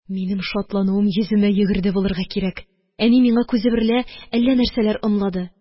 Минем шатлануым йөземә йөгерде булырга кирәк, әни миңа күзе берлә әллә нәрсәләр ымлады.